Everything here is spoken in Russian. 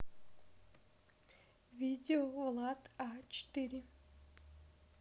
видео влад а четыре